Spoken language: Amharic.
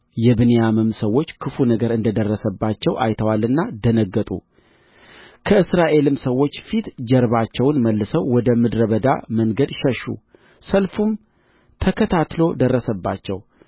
የብንያምም ሰዎች ክፉ ነገር እንደ ደረሰባቸው አይተዋልና ደነገጡ ከእስራኤልም ሰዎች ፊት ጀርባቸውን መልሰው ወደ ምድረ በዳ መንገድ ሸሹ ሰልፉም ተከታትሎ ደረሰባቸው